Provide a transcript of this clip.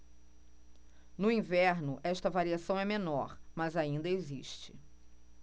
no inverno esta variação é menor mas ainda existe